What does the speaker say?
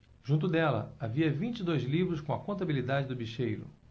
junto dela havia vinte e dois livros com a contabilidade do bicheiro